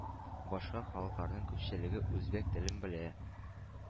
Башка халыкларның күпчелеге үзбәк телен белә.